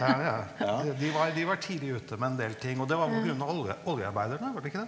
ja ja de de var de var tidlig ute med en del ting, og det var pga. oljearbeiderne, var det ikke det?